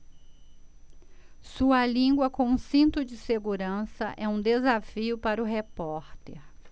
sua língua com cinto de segurança é um desafio para o repórter